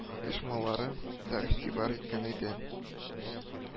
Оешмалары да игътибар иткән иде